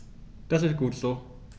Das ist gut so.